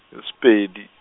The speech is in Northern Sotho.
e Sepedi.